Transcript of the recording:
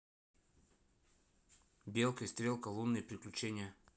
белка и стрелка лунные приключения